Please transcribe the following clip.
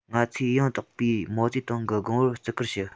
ང ཚོས ཡང དག པའི མའོ ཙེ ཏུང གི དགོངས པར བརྩི བཀུར ཞུ